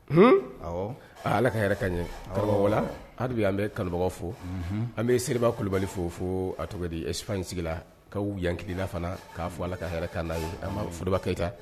Hun Ala ka hɛrɛ k'an ye halibi an bɛ kanubagaw fo an bɛ Seriba kulubali fo a tɔgɔ bɛ di ɛsipaɲi sigila Kawu yankilina fana k'a fɔ Ala ka hɛrɛ kɛ an n'a ye a Fodeba Keyita